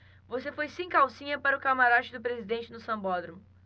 você foi sem calcinha para o camarote do presidente no sambódromo